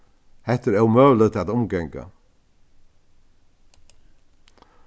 hetta er ómøguligt at umganga